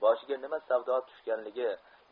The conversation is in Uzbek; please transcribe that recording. boshiga nima savdo tushganligi